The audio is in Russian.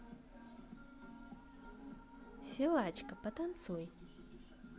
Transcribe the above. силачка потанцуй